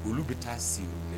Olu bɛ taa de